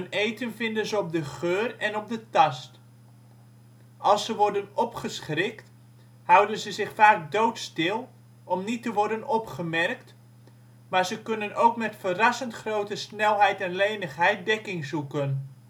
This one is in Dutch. eten vinden ze op de geur en op de tast. Als ze worden opgeschrikt houden ze zich vaak doodstil om niet te worden opgemerkt, maar ze kunnen ook met verrassend grote snelheid en lenigheid dekking zoeken